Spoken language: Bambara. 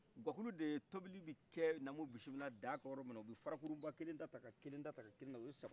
guakulu de ye tobili kai namou bisimila daka yɔrɔmina ubi farakuruba kelenda tan ka kelenda tan kakelenda tan